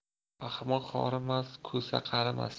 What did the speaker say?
ahmoq horimas ko'sa qarimas